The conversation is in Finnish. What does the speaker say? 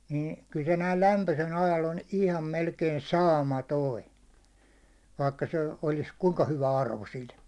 niin kyllä se näin lämpöisellä ajalla on ihan melkein saamaton vaikka se olisi kuinka hyvä arvo sillä